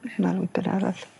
ma' lwybyr arall.